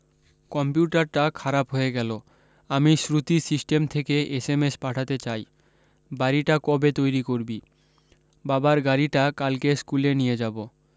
computer টা খারাপ হয়ে গেল আমি শ্রুতি সিস্টেম থেকে এস এম এস পাঠাতে চাই বাড়ী টা কবে তৈরী করবি বাবার গাড়ী টা কালকে স্কুলে নিয়ে যাব